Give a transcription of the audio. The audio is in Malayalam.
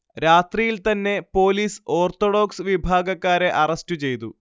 രാത്രിയിൽതന്നെ പോലീസ് ഓർത്തഡോക്സ് വിഭാഗക്കാരെ അറസ്റ്റു ചെയ്തു